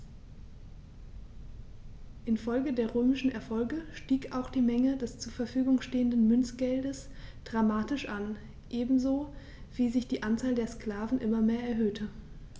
Infolge der römischen Erfolge stieg auch die Menge des zur Verfügung stehenden Münzgeldes dramatisch an, ebenso wie sich die Anzahl der Sklaven immer mehr erhöhte.